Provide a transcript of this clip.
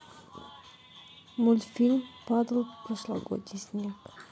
мультфильм падал прошлогодний снег